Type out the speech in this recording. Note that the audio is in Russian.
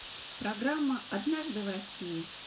программа однажды в россии